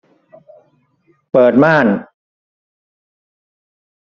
เปิดม่าน